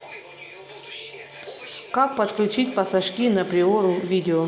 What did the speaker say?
как подключить посошки на приору видео